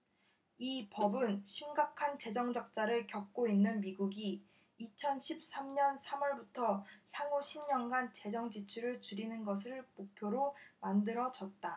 이 법은 심각한 재정적자를 겪고 있는 미국이 이천 십 삼 년 삼 월부터 향후 십 년간 재정지출을 줄이는 것을 목표로 만들어졌다